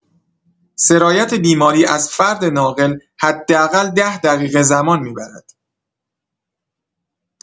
سرایت بیماری از فرد ناقل حداقل ۱۰ دقیقه زمان می‌برد.